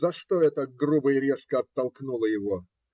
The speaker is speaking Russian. За что я так грубо и резко оттолкнула его?